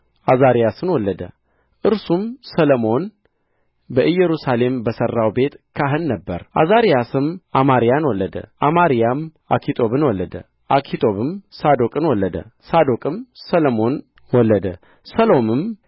ዓዛርያስን ወለደ እርሱም ሰሎሞን በኢየሩሳሌም በሠራው ቤት ካህን ነበረ ዓዛርያስም አማርያን ወለደ አማርያም አኪጦብን ወለደ አኪጦብም ሳዶቅን ወለደ ሳዶቅም ሰሎምን ወለደ ሰሎምም